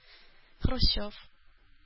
Хрущев